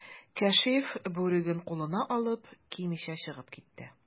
Кәшиф, бүреген кулына алып, кимичә чыгып китте.